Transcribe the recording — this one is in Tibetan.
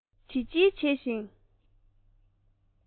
སྨ རར བྱིལ བྱིལ བྱེད བཞིན